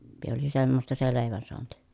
- oli semmoista se leivän saanti